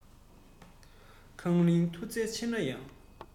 མཁའ ལྡིང མཐུ རྩལ ཆེ ན ཡང